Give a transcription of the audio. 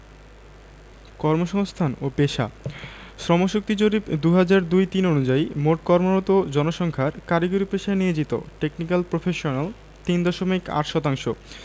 কর্মসংস্থান ও পেশাঃ শ্রমশক্তি জরিপ ২০০২ ০৩ অনুযায়ী মোট কর্মরত জনসংখ্যার কারিগরি পেশায় নিয়োজিত টেকনিকাল প্রফেশনাল ৩ দশমিক ৮ শতাংশ